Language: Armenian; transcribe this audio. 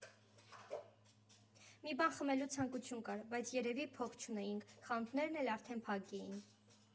Մի բան խմելու ցանկություն կար, բայց երևի փող չունեինք, խանութներն էլ արդեն փակ էին։